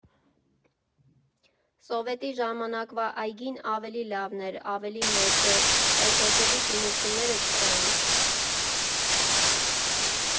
Սովետի ժամանակվա այգին ավելի լավն էր, ավելի մեծ էր, էս հետևի շինությունները չկային։